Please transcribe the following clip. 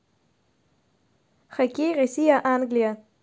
хоккей россия англия